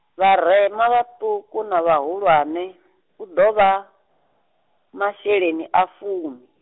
vharema vhaṱuku na vhahulwane, hu ḓo vha, masheleni a fumi.